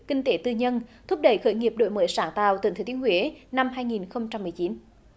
kinh tế tư nhân thúc đẩy khởi nghiệp đổi mới sáng tạo tỉnh thừa thiên huế năm hai nghìn không trăm mười chín